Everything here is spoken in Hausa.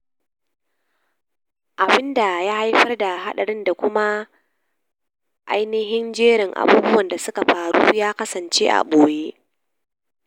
Abin da ya haifar da hadarin da kuma ainihin jerin abubuwan da suka faru ya kasance a boye.